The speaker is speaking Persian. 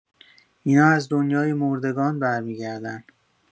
اینا از دنیای مردگان برمی‌گردن